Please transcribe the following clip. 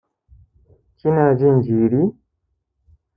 kina jin jiri